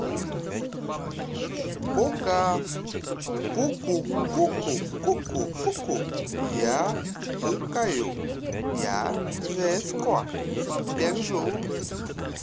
пока пуху куку ку ку ку я пукаю я жестко пержу